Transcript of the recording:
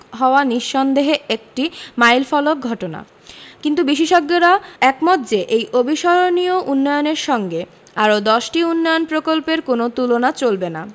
হওয়া নিঃসন্দেহে একটি মাইলফলক ঘটনা কিন্তু বিশেষজ্ঞরা একমত যে এই অবিস্মরণীয় উন্নয়নের সঙ্গে আর দশটি উন্নয়ন প্রকল্পের কোনো তুলনা চলবে না